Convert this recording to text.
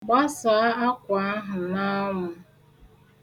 Gbasaa akwa ahụ n'anwụ.